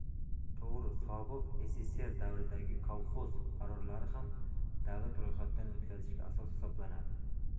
to'g'ri sobiq sssr davridagi kolxoz qarorlari ham davlat ro'yxatidan o'tkazishga asos hisoblanadi